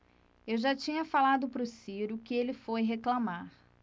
eu já tinha falado pro ciro que ele foi reclamar